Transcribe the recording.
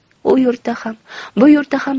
u yurtda ham bu yurtda ham